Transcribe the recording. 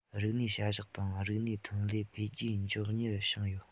རིག གནས བྱ གཞག དང རིག གནས ཐོན ལས འཕེལ རྒྱས མགྱོགས མྱུར བྱུང ཡོད